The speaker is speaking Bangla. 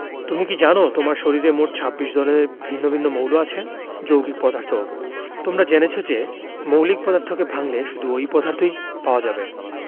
তুমি কি জানো তোমার শরীরে মোট ২৬ ধরনের ভিন্ন ভিন্ন মৌল আছে যৌগিক পদার্থ তোমরা জেনেছ যে মৌলিক পদার্থকে ভাঙলে শুধু ঐ পদার্থই পাওয়া যাবে